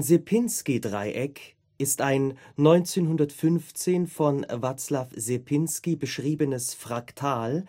Sierpinski-Dreieck ist ein 1915 von Wacław Sierpiński beschriebenes Fraktal,